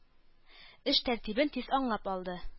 Эш тәртибен тиз аңлап алды.